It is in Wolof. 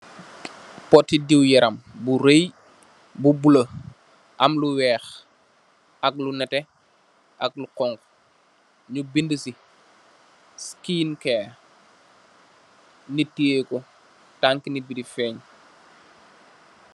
Pot ti deew yaram bu reye bu bulah, am lu weex, lu neteh ak lu xonxo, byu binduh ci skin care . Nit di teyeh ku, tang ku nit di fenye.